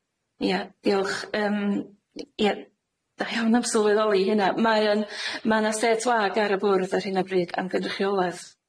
Ia, diolch yym. Ia, da iawn am sylweddoli hynna. Mae yn- ma' 'na set wag ar y bwrdd ar hyn o bryd am gynrychiolaeth